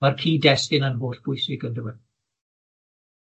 ma'r cyd-destun yn hollbwysig yndyw e?